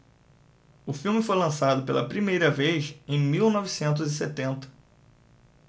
o filme foi lançado pela primeira vez em mil novecentos e setenta